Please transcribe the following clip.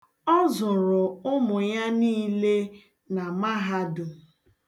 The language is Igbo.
Ọ zụrụ ụmụ ya niile na mahadum.